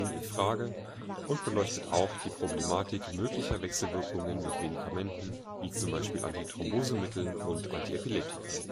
in Frage und beleuchtet auch die Problematik möglicher Wechselwirkungen mit Medikamenten (z. B. Antithrombosemittel und Antiepileptika